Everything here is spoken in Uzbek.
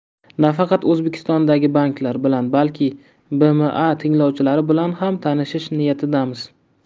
nafaqat o'zbekistondagi banklar bilan balki bma tinglovchilari bilan ham tanishish niyatidamiz